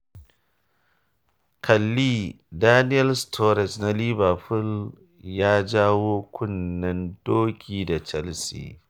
Kalli: Daniel Sturridge na Liverpool ya jawo kunnen doki da Chelsea